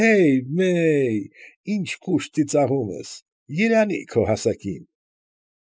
Հեյ֊մե՜յ, ի՜նչ կուշտ ծիծաղում ես, երանի՜ քո հասակին…